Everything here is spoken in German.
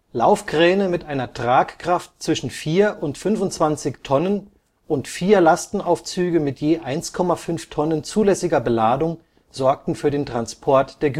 Laufkräne mit einer Tragkraft zwischen 4 und 25 Tonnen und vier Lastenaufzüge mit je 1,5 Tonnen zulässiger Beladung sorgten für den Transport der